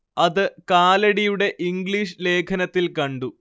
അത് കാലടിയുടെ ഇംഗ്ലീഷ് ലേഖനത്തിൽ കണ്ടു